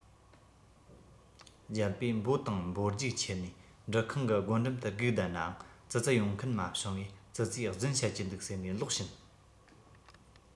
རྒྱལ པོས འབོ དང འབོ རྒྱུགས ཁྱེར ནས འབྲུ ཁང གི སྒོ འགྲམ དུ སྒུག བསྡད ནའང ཙི ཙི ཡོང མཁན མ བྱུང བས ཙི ཙིས རྫུན བཤད ཀྱི འདུག ཟེར ནས ལོག ཕྱིན